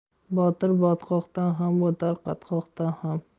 botir botqoqdan ham o'tar qatqoqdan ham